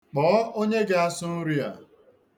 Kpọọ onye ga-asụ nri a.